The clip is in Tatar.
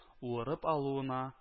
Уырып алуына